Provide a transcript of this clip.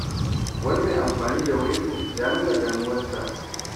Wani mai amfani da Weibo ya nuna damuwarsa: